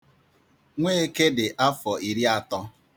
Nweeke dị afọ iri atọ.